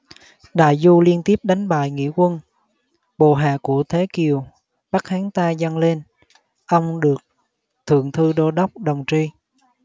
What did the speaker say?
đại du liên tiếp đánh bại nghĩa quân bộ hạ của thế kiều bắt hắn ta dâng lên ông được thự thự đô đốc đồng tri